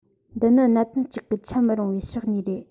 འདི ནི གནད དོན གཅིག གི ཆད མི རུང བའི ཕྱོགས གཉིས རེད